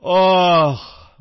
Аһ..